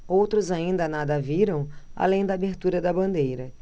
outros ainda nada viram além da abertura da bandeira